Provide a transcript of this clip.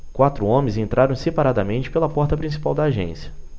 quatro homens entraram separadamente pela porta principal da agência